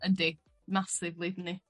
Yndi, massively 'ddyn ni.